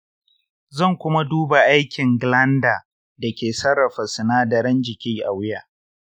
zan kuma duba aikin glandar da ke sarrafa sinadaran jiki a wuya.